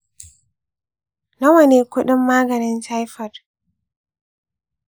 nawa ne kudin maganin typhoid?